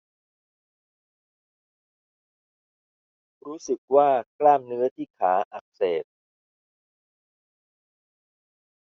รู้สึกว่ากล้ามเนื้อที่ขาอักเสบ